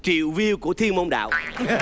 triệu vưu của thiên môn đạo